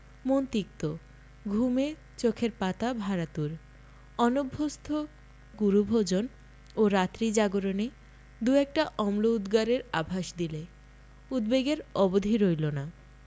মন তিক্ত ঘুমে চোখের পাতা ভারাতুর অনভ্যস্ত গুরু ভোজন ও রাত্রি জাগরণে দু একটা অম্ল উদগারের আভাস দিলে উদ্বেগের অবধি রইল না